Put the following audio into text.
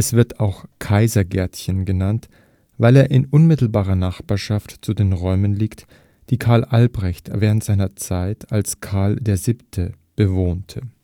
wird auch Kaisergärtchen genannt, weil er in unmittelbarer Nachbarschaft zu den Räumen liegt, die Karl Albrecht während seiner Zeit als Karl VII. (deutscher Kaiser von 1742 – 45) bewohnte